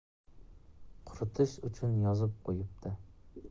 quritish uchun yozib qo'yibdi